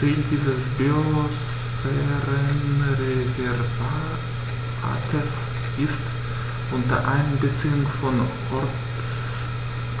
Ziel dieses Biosphärenreservates ist, unter Einbeziehung von